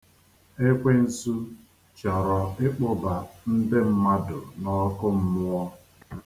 Ekwensu chọrọ ịkpụba ndị mmadụ n'ọkụ mmụọ.